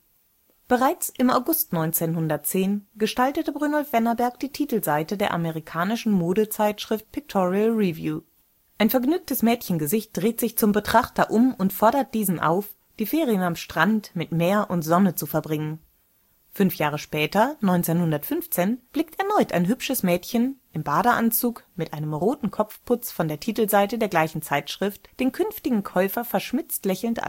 Bereits im August 1910 gestaltete Brynolf Wennerberg die Titelseite der amerikanischen Modezeitschrift „ Pictorial Review “: ein vergnügtes Mädchengesicht dreht sich zum Betrachter um und fordert diesen auf, die Ferien am Strand mit Meer und Sonne zu verbringen. Fünf Jahre später, 1915, blickte erneut ein hübsches Mädchen im Badeanzug mit einem roten Kopfputz von der Titelseite der gleichen Zeitschrift den künftigen Käufer verschmitzt lächelnd